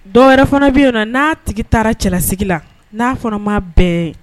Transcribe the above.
Dɔw wɛrɛ fana bɛ na n'a tigi taara cɛlasigi la n'a fana ma bɛɛ